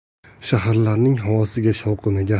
shaharlarning havosiga shovqiniga